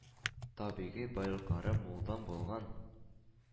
Табигый байлыклары мулдан булган